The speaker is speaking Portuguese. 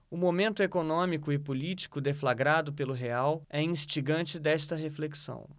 o momento econômico e político deflagrado pelo real é instigante desta reflexão